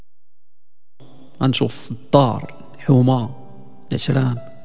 انشوف طار حمار